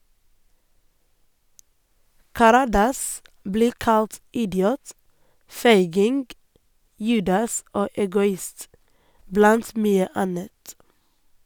Karadas blir kalt idiot, feiging, judas og egoist - blant mye annet.